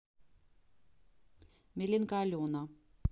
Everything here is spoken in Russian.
меленка алена